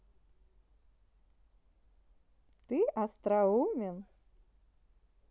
ты остроумен